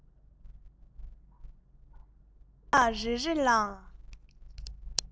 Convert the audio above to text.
རྟ མོག གི སྤུ ལྟར མང ལ